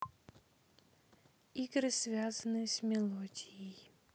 игры связанные с мелодией